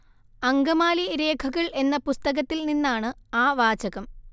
അങ്കമാലി രേഖകൾ എന്ന പുസ്തകത്തിൽ നിന്നാണ് ആ വാചകം